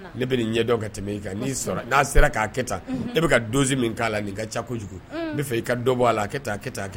Ne bɛ ni ɲɛdɔn ka tɛmɛ i kan. Kosɛbɛ n'i sɔn n'a sera k'a kɛ tan. Unhun;E bɛ ka dose min k'a la ni ka ca kojugu. Uun; N bɛ fɛ i ka do b'a la.A kɛ tan,a ka kɛ tan